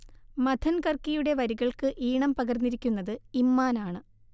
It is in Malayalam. മഥൻ കർക്കിയുടെ വരികൾക്ക് ഈണം പകർന്നിരിക്കുന്നത് ഇമ്മാനാണ്